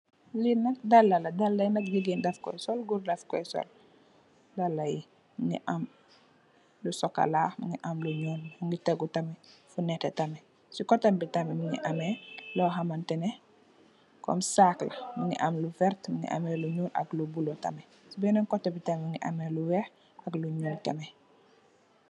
li nak daala la daalai nak gigain daf koi sol gorr daff koi sol daalai Mungi am lu sokola Mungi am lu nyuul Mungi teku tam fu neteh tamit sey koteh bi tamit Mungi ameh lohamanteh neh kom sack la Mungi am lu verteh Mungi ameh lu nyuul ak lu blue tamit sey benen koteh bi tamit Mungi ameh lu weih ak lu nyuul tamit.